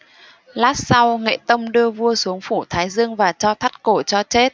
lát sau nghệ tông đưa vua xuống phủ thái dương và cho thắt cổ cho chết